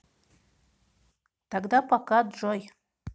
тогда пока джой